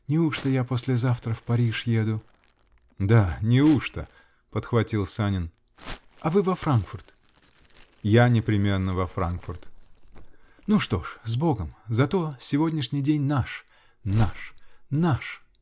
Неужто я послезавтра в Париж еду? -- Да. неужто? -- подхватил Санин. -- А вы во Франкфурт? -- Я непременно во Франкфурт. -- Ну, что ж -- с богом! Зато сегодняшний день наш. наш. наш!